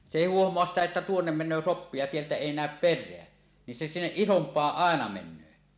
se ei huomaa sitä että tuonne menee soppi ja sieltä ei näy perää niin se sinne isompaan aina menee